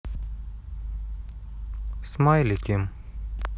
смайлики